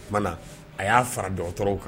Oumana na a y'a fara jɔyɔrɔ dɔgɔtɔrɔw kan